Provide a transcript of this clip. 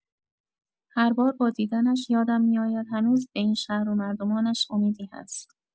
هر بار با دیدنش یادم می‌آید هنوز به این شهر و مردمانش امیدی هست.